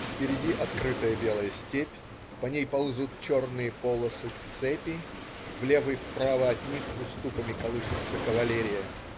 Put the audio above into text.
Впереди открытая белая степь, по ней ползут черные полосы-цепи, влево и вправо от них уступами колышется кавалерия.